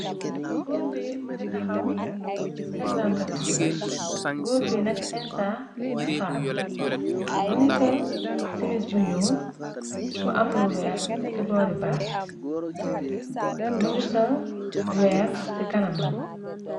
Guur bi më nga taxaw teklante laxam gór bi nekk insa faal më ngi sol simis bu ñuul bu am lu weer ci boori baat më ngi sol weer ci kanamam.